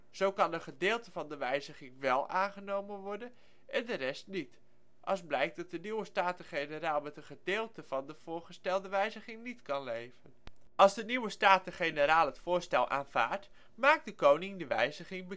Zo kan een gedeelte van de wijziging wel aangenomen worden en de rest niet, als blijkt dat de nieuwe Staten-Generaal met een gedeelte van de voorgestelde wijziging niet kan leven. Als de nieuwe Staten-Generaal het voorstel aanvaardt, maakt de Koning de wijziging